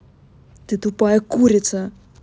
ты тупая курица